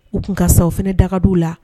U tun ka saw fana dagaw la